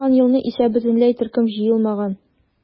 Узган елны исә бөтенләй төркем җыелмаган.